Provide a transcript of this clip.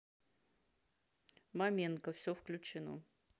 маменко все включено